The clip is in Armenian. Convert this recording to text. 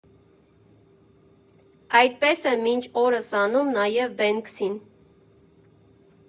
Այդպես է մինչ օրս անում նաև Բենքսին։